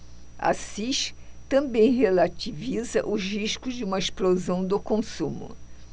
assis também relativiza os riscos de uma explosão do consumo